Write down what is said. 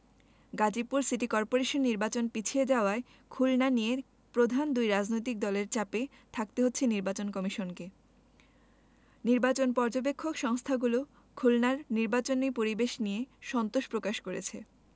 Gazipur city corporation নির্বাচন পিছিয়ে যাওয়ায় খুলনা নিয়ে প্রধান দুই রাজনৈতিক দলের চাপে থাকতে হয়েছে নির্বাচন কমিশনকে নির্বাচন পর্যবেক্ষক সংস্থাগুলো খুলনার নির্বাচনী পরিবেশ নিয়ে সন্তোষ প্রকাশ করেছে